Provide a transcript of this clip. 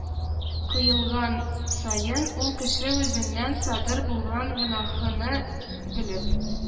Кыйлган саен, ул кеше үзеннән садыр булган гөнаһыны белеп,